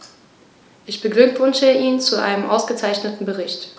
Ich beglückwünsche ihn zu seinem ausgezeichneten Bericht.